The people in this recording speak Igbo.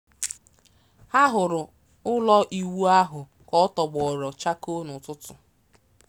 Ha hụrụ ụlọikwu ahụ ka ọ tọgbọrọ chako n'ụtụtụ.